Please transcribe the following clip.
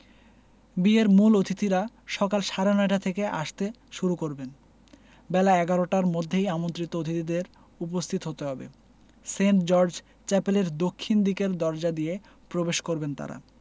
বিয়ের মূল অতিথিরা সকাল সাড়ে নয়টা থেকে আসতে শুরু করবেন বেলা ১১টার মধ্যেই আমন্ত্রিত অতিথিদের উপস্থিত হতে হবে সেন্ট জর্জ চ্যাপেলের দক্ষিণ দিকের দরজা দিয়ে প্রবেশ করবেন তাঁরা